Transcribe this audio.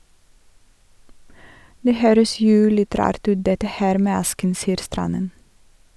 - Det høres jo litt rart ut dette her med asken, sier Stranden.